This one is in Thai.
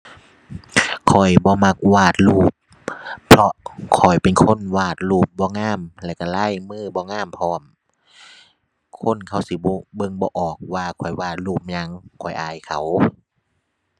ข้อยบ่มักวาดรูป เพราะข้อยเป็นคนวาดรูปบ่งาม แล้วก็ลายมือบ่งามพร้อม คนเขาสิโบะ เบิ่งบ่ออกว่าข้อยวาดรูปหยัง ข้อยอายเขา